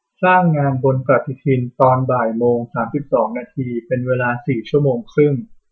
สร้างงานบนปฎิทินตอนบ่ายโมงสามสิบสองนาทีเป็นเวลาสี่ชั่วโมงครึ่ง